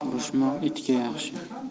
urishmoq itga yaxshi